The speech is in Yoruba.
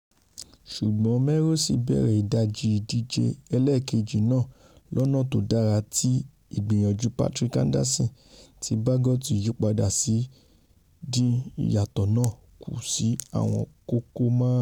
Ṣùgbọ́n Melrose bẹ̀rẹ̀ ìdajì ìdíje ẹlẹ́ẹ̀kejì náà lọ́nà tódára tí ìgbìyànjú Patrick Anderson, tí Baggot yípadà sì dín ìyàtọ̀ náà kù sí àwọn kókó máàrún.